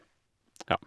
Ja.